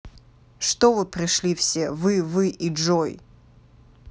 что вы пришли все вы вы и джой